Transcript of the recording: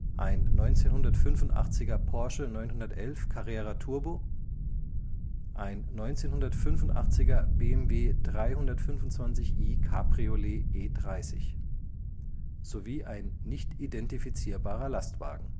1985er Porsche 911 Carrera Turbo 1985er BMW 325i Cabriolet E30 ein nicht identifizierbarer Lastwagen